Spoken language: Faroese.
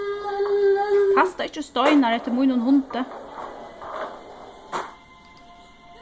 kasta ikki steinar eftir mínum hundi